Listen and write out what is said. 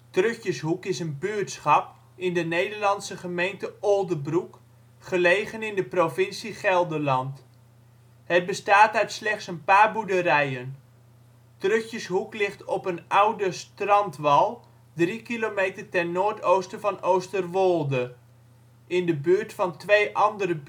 Trutjeshoek is een buurtschap in de Nederlandse gemeente Oldebroek, gelegen in de provincie Gelderland. Het bestaat uit slechts een paar boerderijen. Trutjeshoek ligt op een oude strandwal drie kilometer ten noordoosten van Oosterwolde, in de buurt van twee andere